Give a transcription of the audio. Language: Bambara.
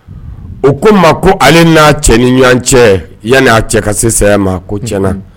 O ko ko ale n a cɛ ni ɲɔgɔn cɛ yanani a cɛ ka se sɛ ma tiɲɛna